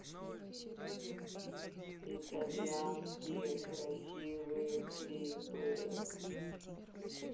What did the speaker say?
итальянские красивые клипы